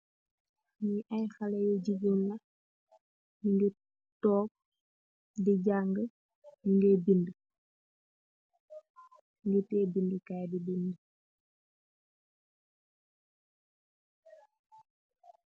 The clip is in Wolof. Ayyi haleh yuu jigeen di janggeeg tai kenna ki mugeih ahmeh book.